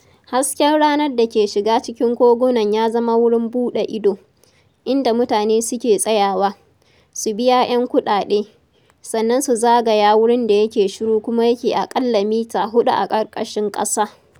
Hasken ranar da ke shiga cikin kogunan ya zama wurin buɗe ido, inda mutane suke tsayawa, sun biya 'yan kuɗaɗe, sannan su zagaya wurin da yake shiru kuma yake aƙalla mita huɗu a ƙarƙashin ƙasa.